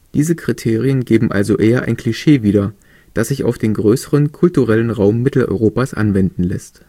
Diese Kriterien geben also eher ein Klischee wieder, das sich auf den größeren kulturellen Raum Mitteleuropas anwenden lässt